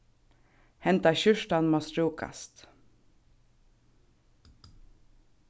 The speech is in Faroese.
henda skjúrtan má strúkast